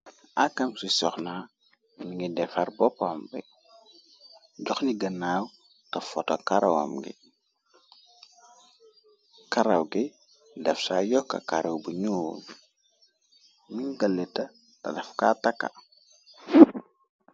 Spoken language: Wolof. aakam si soxna ni ngi defar boppam bi jox ni gënnaaw te foto karaw gi def say yokka karaw bu nuur min kalleta ta daf ka takka